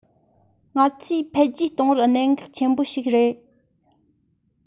ང ཚོའི འཕེལ རྒྱས གཏོང བར གནད འགག ཆེན པོ ཞིག རེད